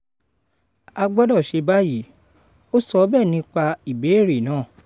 “A gbọ́dọ̀ ṣe báyìí," ó sọ bẹ́ẹ̀ nípa ìbẹ̀rẹ̀ náà.